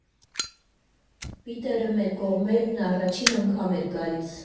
Պիտերը մեր կողմերն առաջին անգամ էր գալիս։